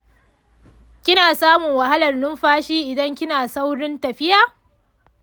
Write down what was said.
kina samun wahalar numfashi idan kina saurin tafiya?